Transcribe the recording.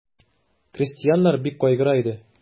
Крестьяннар бик кайгыра иде.